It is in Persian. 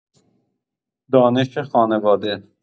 دانش خانواده